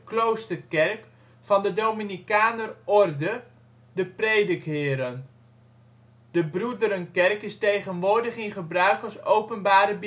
kloosterkerk van de Dominicaner orde (predikheren). De Broederenkerk is tegenwoordig in gebruik als Openbare